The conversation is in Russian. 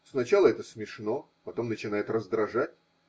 Сначала это смешно, потом начинает раздражать.